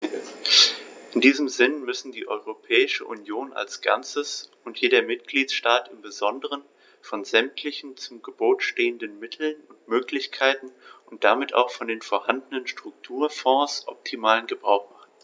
In diesem Sinne müssen die Europäische Union als Ganzes und jeder Mitgliedstaat im besonderen von sämtlichen zu Gebote stehenden Mitteln und Möglichkeiten und damit auch von den vorhandenen Strukturfonds optimalen Gebrauch machen.